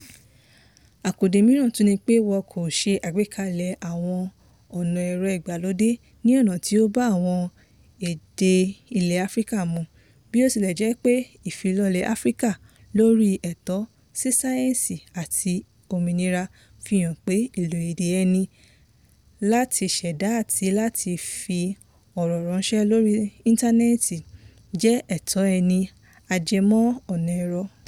Àkùdè míràn tún ni pé wọ́n kò ṣe àgbékalẹ̀ àwọn ọ̀nà ẹ̀rọ̀ ìgbàlódé ní ọ̀nà tó ba àwọn èdè ilẹ̀ Áfíríkà mu, bí ó tilẹ́jẹ́pé Ìfilọ́lẹ̀ Áfíríkà lóri Ẹ̀tọ sí Ìńtánẹ́ẹ̀tì àti Òmìnira fi hàn pé “lílo èdè ẹni láti ṣẹ̀dá àti fi ọ̀rọ̀ ránṣẹ́ lórí Ìńtànẹ́ẹ̀tì jẹ́ ẹ̀tọ́ ẹni ajẹmọ́ ọ̀na ẹrọ”